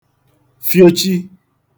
fiochi